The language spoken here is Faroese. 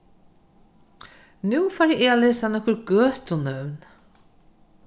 nú fari eg at lesa nøkur gøtunøvn